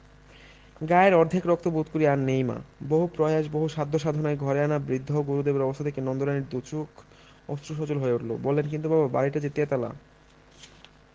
গায়ের অর্ধেক রক্ত বোধ করি আর নেই মা বহু প্রয়াস বহু সাধ্য সাধনায় ঘরে আনা বৃদ্ধ গুরুদেবের অবস্থা দেখে নন্দরানীর দু'চোখ অশ্রু সজল হয়ে উঠল বললেন কিন্তু বাবা বাড়িটা যে তেতলা